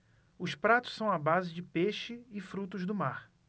os pratos são à base de peixe e frutos do mar